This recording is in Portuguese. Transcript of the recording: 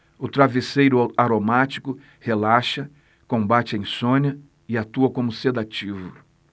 o travesseiro aromático relaxa combate a insônia e atua como sedativo